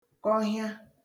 kọhịa